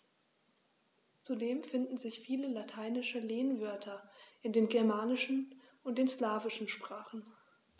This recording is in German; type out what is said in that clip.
Zudem finden sich viele lateinische Lehnwörter in den germanischen und den slawischen Sprachen.